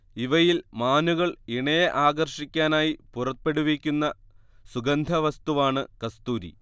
ഇവയിൽ മാനുകൾ ഇണയെ ആകർഷിക്കാനായി പുറപ്പെടുവിക്കുന്ന സുഗന്ധവസ്തുവാണ് കസ്തൂരി